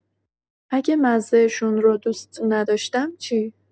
اگه مزه‌شون رو دوست نداشتم چی؟